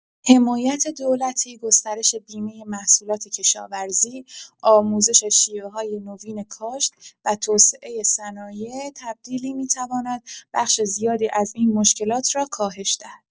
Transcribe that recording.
حمایت دولتی، گسترش بیمه محصولات کشاورزی، آموزش شیوه‌های نوین کاشت و توسعه صنایع تبدیلی می‌تواند بخش زیادی از این مشکلات را کاهش دهد.